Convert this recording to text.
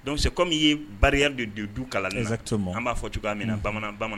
Denmisɛnnin kɔmi min ye baaraya de don du kalanzsama an b'a fɔ tu cogoya' min na bamanan bamanan